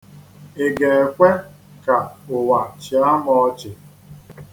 Ị ga-ekwe ka ụwa chịa m ọchị?